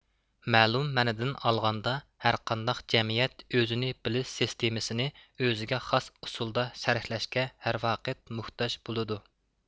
مەلۇم مەنىدىن ئالغاندا ھەر قانداق جەمئىيەت ئۆزىنى بىلىش سىستېمىسىنى ئۆزىگە خاس ئۇسۇلدا شەرھلەشكە ھەر ۋاقىت مۇھتاج بولىدۇ